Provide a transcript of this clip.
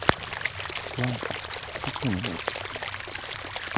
лампа спокойной ночи